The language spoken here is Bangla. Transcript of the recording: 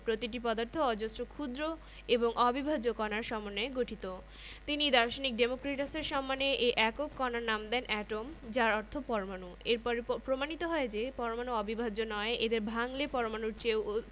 মৌলের ইংরেজি ও ল্যাটিন নাম থেকে তাদের প্রতীক লিখতে পারব মৌলিক ও স্থায়ী কণিকাগুলোর বৈশিষ্ট্য বর্ণনা করতে পারব পারমাণবিক সংখ্যা ভর সংখ্যা আপেক্ষিক পারমাণবিক ভর ব্যাখ্যা করতে পারব